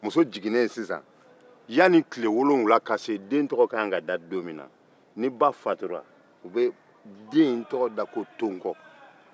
muso jiginen sisan yanni tile wolonwula ka se den tɔgɔ ka kan ka da don min na ni ba fatura u bɛ den in tɔgɔ da kotonkɔ